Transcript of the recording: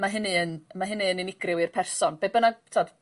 ma' hynny yn ma' hynny yn unigryw i'r person be' bynnag t'od...